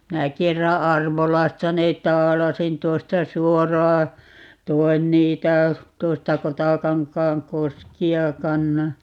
minä kerran Arvolasta ne taalasin tuosta suoraan toin niitä tuosta Kotakankaan koskea kannoin